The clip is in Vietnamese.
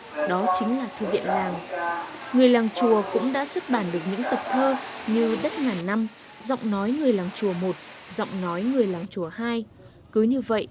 đó chính là thư viện làng người làng chùa cũng đã xuất bản được những tập thơ như đất ngàn năm giọng nói người làng chùa một giọng nói người làng chùa hai cứ như vậy